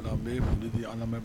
n bɛ foli di an lanmɛnbagaw ma.